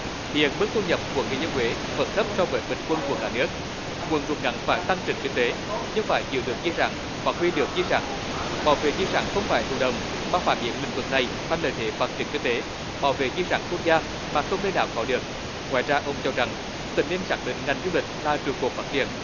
hiện mức thu nhập của người dân huế vẫn thấp so với bình quân của cả nước muốn rút ngắn phải tăng trưởng kinh tế nhưng phải giữ được di sản phát huy được di sản bảo vệ di sản không phải thụ động mà phải biến lĩnh vực này thành lợi thế phát triển kinh tế bảo vệ di sản quốc gia mà không nơi nào có được ngoài ra ông cho rằng tỉnh nên xác định ngành du lịch là trụ cột phát triển